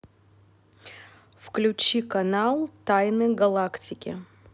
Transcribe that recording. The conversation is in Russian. включи канал тайны галактики